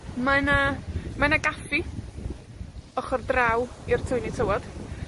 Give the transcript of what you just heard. Mae 'na, mae 'na gaffi, ochor draw i'r twyni tywod.